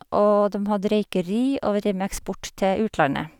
Og dem hadde røykeri, og vi drev med eksport til utlandet.